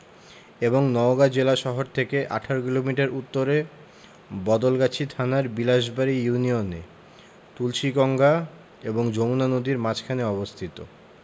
এবং নওগাঁ জেলাশহর থেকে ১৮ কিলোমিটার উত্তরে বদলগাছি থানার বিলাসবাড়ি ইউনিয়নে তুলসীগঙ্গা এবং যমুনা নদীর মাঝখানে অবস্থিত